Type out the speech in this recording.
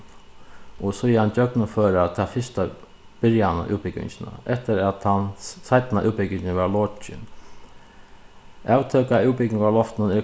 og síðani gjøgnumføra tað fyrsta byrjanina á útbúgvingina eftir at tann seinna útbúgvingin varð lokin avtøka av útbúgvingarloftinum er